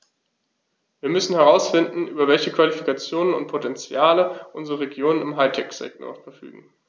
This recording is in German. Wir müssen herausfinden, über welche Qualifikationen und Potentiale unsere Regionen im High-Tech-Sektor verfügen.